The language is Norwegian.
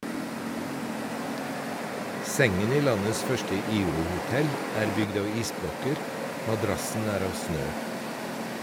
Sengen i landets første igloo-hotell er bygd av isblokker, madrassen er av snø.